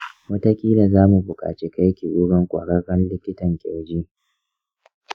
watakila za mu buƙaci kai ki wurin ƙwararren likitan kirji.